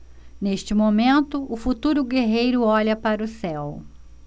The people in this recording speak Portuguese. neste momento o futuro guerreiro olha para o céu